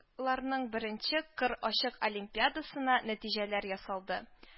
Ларының беренче кыр ачык олимпиадасына нәтиҗәләр ясалды